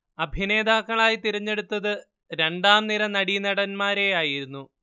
അഭിനേതാക്കളായി തിരഞ്ഞെടുത്തത് രണ്ടാംനിര നടീനടൻമാരെയായിരുന്നു